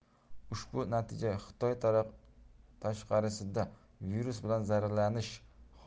ushbu natija xitoy tashqarisida virus bilan zararlanish